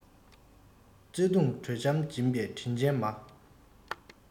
བརྩེ དུང དྲོད འཇམ སྦྱིན པའི དྲིན ཅན མ